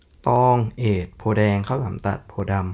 ตองเอดโพธิ์แดงข้าวหลามตัดโพธิ์ดำ